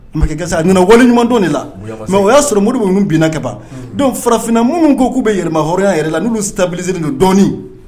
Masakɛ a nana waleɲumandon de la mɛ o y'a sɔrɔ mori minnu bininakɛ ban don farafinna minnu min ko k'u bɛ yɛlɛma h hɔrɔnya yɛrɛ la n'olu tabilisiri don dɔɔnin